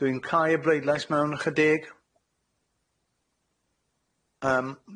Dwi'n cau y bleudlais mewn ychydig.